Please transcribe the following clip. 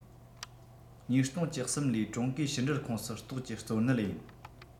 ཉིས སྟོང བཅུ གསུམ ལོའི ཀྲུང གོའི ཕྱི འབྲེལ ཁོངས སུ གཏོགས ཀྱི གཙོ གནད ཡིན